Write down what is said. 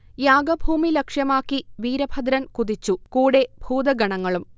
യാഗഭൂമി ലക്ഷ്യമാക്കി വീരഭദ്രൻ കുതിച്ചു കൂടെ ഭൂതഗണങ്ങളും